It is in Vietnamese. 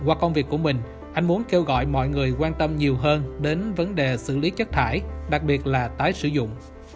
hoặc công việc của mình anh muốn kêu gọi mọi người quan tâm nhiều hơn đến vấn đề xử lý chất thải đặc biệt là tái sử dụng